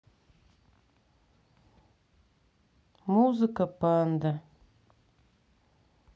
музыка панда